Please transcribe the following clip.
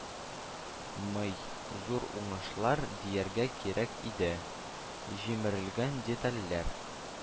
Мый: «зур уңышлар» дияргә кирәк иде); «җимерелгән детальләр»